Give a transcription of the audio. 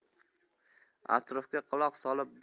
atrofga quloq solib